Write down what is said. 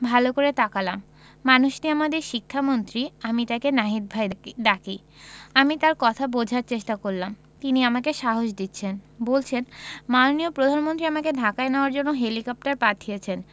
ভালো করে তাকালাম মানুষটি আমাদের শিক্ষামন্ত্রী আমি তাকে নাহিদ ভাই ডাকি আমি তার কথা বোঝার চেষ্টা করলাম তিনি আমাকে সাহস দিচ্ছেন বলছেন মাননীয় প্রধানমন্ত্রী আমাকে ঢাকায় নেওয়ার জন্য হেলিকপ্টার পাঠিয়েছেন